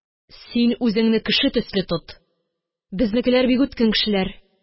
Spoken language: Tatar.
– син үзеңне кеше төсле тот... безнекеләр – бик үткен кешеләр.